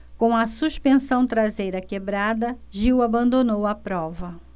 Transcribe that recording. com a suspensão traseira quebrada gil abandonou a prova